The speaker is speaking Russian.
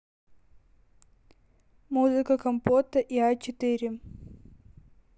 музыка компота и а четыре